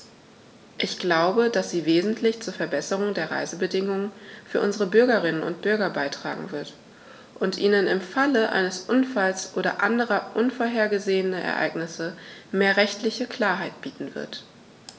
Ich glaube, dass sie wesentlich zur Verbesserung der Reisebedingungen für unsere Bürgerinnen und Bürger beitragen wird, und ihnen im Falle eines Unfalls oder anderer unvorhergesehener Ereignisse mehr rechtliche Klarheit bieten wird.